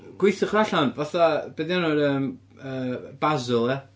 Gweithiwch o allan, fatha, bedi enw'r yym yy Basil, ia?